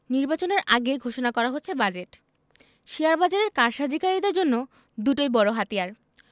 নির্বাচনের আগে ঘোষণা করা হচ্ছে বাজেট শেয়ারবাজারের কারসাজিকারীদের জন্য দুটোই বড় হাতিয়ার